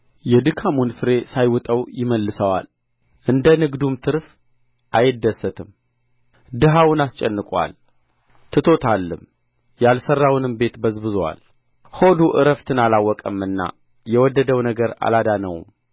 የድካሙን ፍሬ ሳይውጠው ይመልሰዋል እንደ ንግዱም ትርፍ አይደሰትም ድሀውን አስጨንቆአል ትቶታልም ያልሠራውንም ቤት በዝብዞአል ሆዱ ዕረፍትን አላወቀምና የወደደው ነገር አላዳነውም